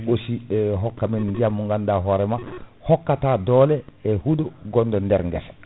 aussi e hokko men ndiyam mo ganduɗa hoorema hokkata dole e huuɗo gonɗo nder guessa